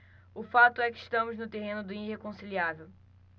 o fato é que estamos no terreno do irreconciliável